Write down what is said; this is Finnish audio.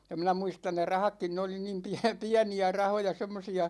ja minä muistan ne rahatkin ne oli niin - pieniä rahoja semmoisia